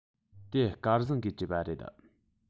དེ སྐལ བཟང གིས བྲིས པ རེད